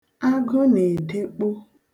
Agụ na-edekpo.